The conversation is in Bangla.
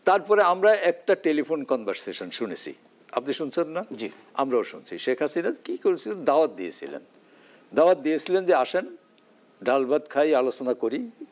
তারপরে আমরা একটা টেলিফোন কনভারসেশন শুনেছি আপনি শুনছেন না আমরাও শুনছি শেখ হাসিনা কি করেছেন দাওয়াত দিয়েছিলেন দাওয়াত দিয়েছিলেন যে আসেন ডাল ভাত খাই আলোচনা করি